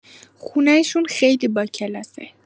خونه‌شون خیلی باکلاسه